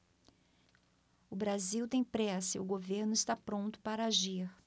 o brasil tem pressa e o governo está pronto para agir